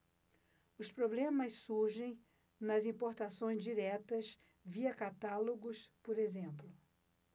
os problemas surgem nas importações diretas via catálogos por exemplo